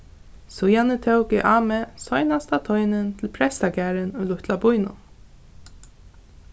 síðani tók eg á meg seinasta teinin til prestagarðin í lítla býnum